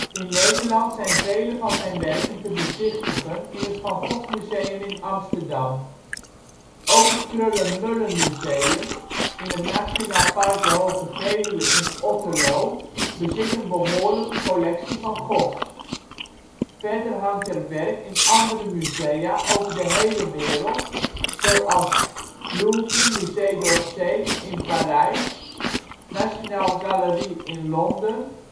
In Nederland zijn vele van zijn werken te bezichtigen in het Van Gogh Museum in Amsterdam. Ook het Kröller-Müller Museum in het Nationaal Park De Hoge Veluwe in Otterlo bezit een behoorlijke collectie Van Goghs. Verder hangt er werk in andere musea over de hele wereld, zoals Louvre, Musée d'Orsay in Parijs National Gallery in Londen Hermitage